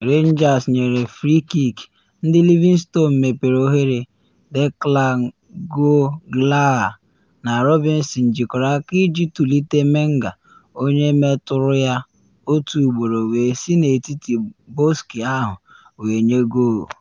Rangers nyere frikik, ndị Livingston mepere oghere, Declan Gallagher na Robinson jikọrọ aka iji tọlite Menga, onye metụrụ ya otu ugboro wee si n’etiti bọksị ahụ wee nye goolu.